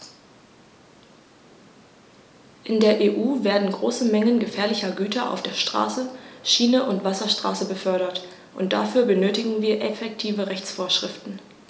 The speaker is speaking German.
In der EU werden große Mengen gefährlicher Güter auf der Straße, Schiene und Wasserstraße befördert, und dafür benötigen wir effektive Rechtsvorschriften.